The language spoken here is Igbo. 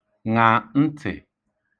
ṅa ntị̀